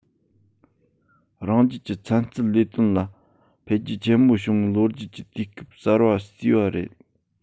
རང རྒྱལ གྱི ཚན རྩལ ལས དོན ལ འཕེལ རྒྱས ཆེན པོ བྱུང བའི ལོ རྒྱུས ཀྱི དུས སྐབས གསར པ བསུས པ རེད